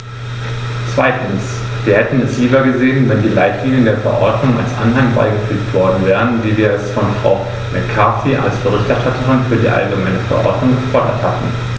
Zweitens: Wir hätten es lieber gesehen, wenn die Leitlinien der Verordnung als Anhang beigefügt worden wären, wie wir es von Frau McCarthy als Berichterstatterin für die allgemeine Verordnung gefordert hatten.